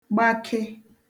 gbake